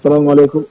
salamu aleykum